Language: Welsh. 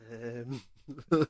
Yym.